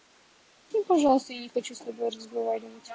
исчезни пожалуйста я не хочу с тобой разговаривать